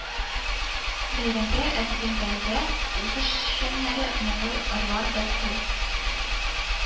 Бәйрәмгә әзерләнгәндә үзешчәннәре моңлы ырлар, дәртле